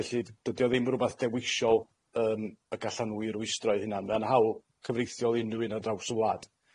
Felly d- dydi o ddim rwbath dewisol yym y gallan nw 'i rwystro 'u hunan. Ma'n hawl cyfreithiol i unrhyw un ar draws y wlad.